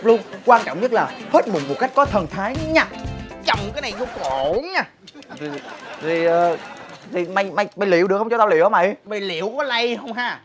luôn quan trọng nhất là hết mụn một cách có thần thái nha tròng cái này vô cổ nha thì thì mày mày liệu được không cho tao liệu mày liệu không có hay đâu nha